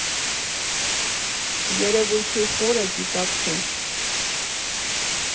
Երևույթի խորը գիտակցում։